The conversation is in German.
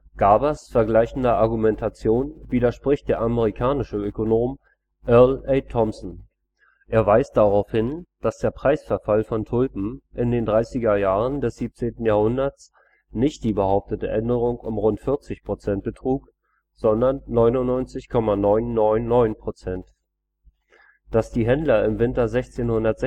Garbers vergleichender Argumentation widerspricht der amerikanische Ökonom Earl A. Thompson. Er weist darauf hin, dass der Preisverfall von Tulpen in den 30er Jahren des 17. Jahrhunderts nicht die behauptete Änderung um rund 40 Prozent betrug, sondern 99,999 Prozent. Dass die Händler im Winter 1636